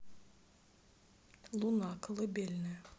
луна колыбельная